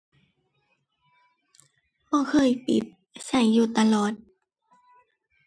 บ่เคยปิด ใช้อยู่ตลอด